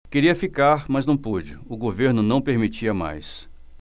queria ficar mas não pude o governo não permitia mais